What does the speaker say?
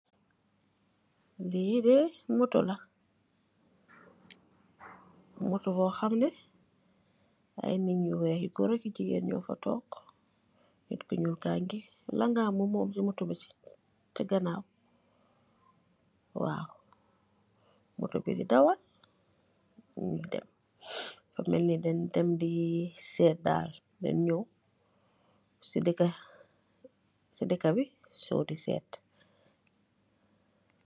Lii dee moto la, moto bo khamneh, ay nit nyu weeh yu goor ak jigain nyo fa tork, nit ku nyul kangi langaamu mom si moto bi si ganaaw Waaw, moto bi di dawal nyii dem, famelni deen dem di setaan, den nyow si dekabi, di seet.